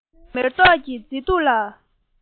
ཁྲོད དུ མེ ཏོག གི མཛེས སྡུག ལ